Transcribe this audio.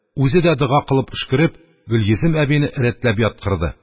Үзе дә дога кылып өшкереп, Гөлйөзем әбине рәтләп яткырды